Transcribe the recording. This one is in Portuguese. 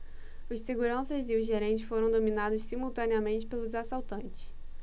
os seguranças e o gerente foram dominados simultaneamente pelos assaltantes